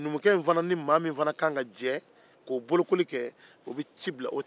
numukɛ ni fana ni mɔgɔ min fana ka kan ka jɛ k'o bolokoli kɛ o bɛ ci bila o tigi ma